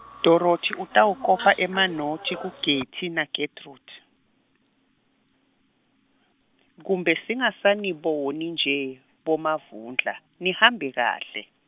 Dorothi utawukopa emanotsi kuGetty naGetrude, kumbe singasaniboni nje, boMavundla, nihambe kahle.